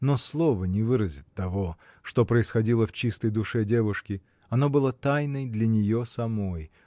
но слово не выразит того, что происходило в чистой душе девушки: оно было тайной для нее самой